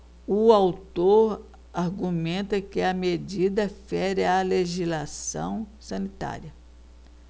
o autor argumenta que a medida fere a legislação sanitária